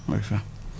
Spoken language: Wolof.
ndeysaan